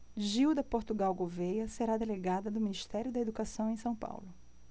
gilda portugal gouvêa será delegada do ministério da educação em são paulo